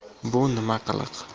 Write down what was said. bu nima qiliq